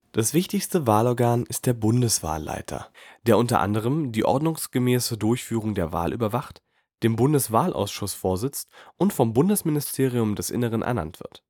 Das wichtigste Wahlorgan ist der Bundeswahlleiter, der unter anderem die ordnungsgemäße Durchführung der Wahl überwacht, dem Bundeswahlausschuss vorsitzt und vom Bundesministerium des Innern ernannt wird